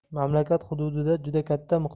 mamlakat hududida juda katta